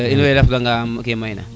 in way ndaf dang no ke may na